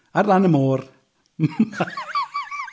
Ar lan y môr